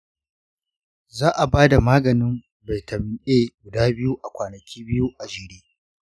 za a bada maganin bitamin a guda biyu a kwanaki biyu a jere.